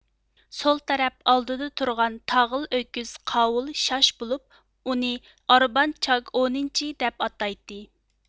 سول تەرەپ ئالدىدا تۇرغان تاغىل ئۆكۈز قاۋۇل شاش بولۇپ ئۇنى ئاربان چاگ ئونىنچى دەپ ئاتايتتى